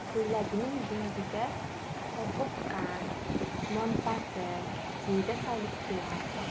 ko'ylagining yengiga popukqand monpasi jiyda solib kelardi